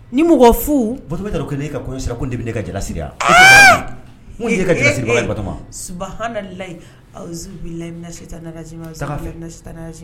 Nin mɔgɔ fu Batoma e t'a dɔn ko n'e ka kɔɲɔ se la nin de bɛ na e ka jala siri wa e t'o kalama n ko ni ye e ka jala siribaga ye Batoma